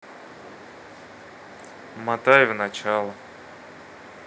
мотай в начало